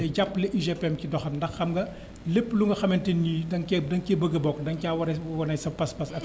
day jàppale UGPM ci doxam ndax xam nga lépp lu nga xamante ne ni danga cee bëgg a bokk da nga caa war a wane sa pas-pas ak